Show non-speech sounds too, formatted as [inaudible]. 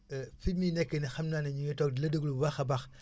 [hesitation] fi miy nekk nii xam naa ne ñu ngi toog di la déglu bu baax a baax